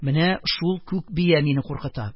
Менә шул күк бия мине куркыта.